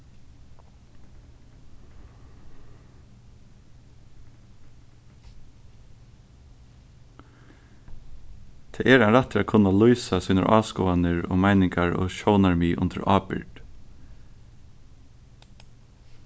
tað er ein rættur at kunna lýsa sínar áskoðanir og meiningar og sjónarmið undir ábyrgd